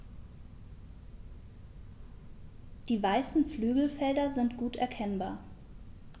Die weißen Flügelfelder sind gut erkennbar.